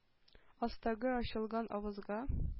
Астагы ачылган авызга